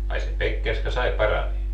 ai se Pekkerska sai paranemaan